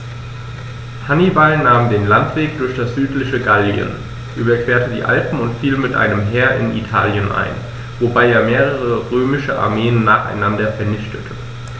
Hannibal nahm den Landweg durch das südliche Gallien, überquerte die Alpen und fiel mit einem Heer in Italien ein, wobei er mehrere römische Armeen nacheinander vernichtete.